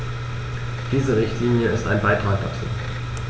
Diese Richtlinie ist ein Beitrag dazu.